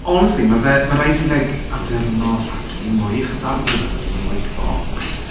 Honestly, ma' fe... mae'n rhaid i fi like addurno fflat fi mwy, achos ar y foment mae jyst yn white box.